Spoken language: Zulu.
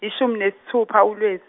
yishumi nesithupha uLwezi.